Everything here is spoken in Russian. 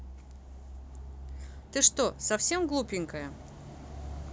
ты что совсем глупенькая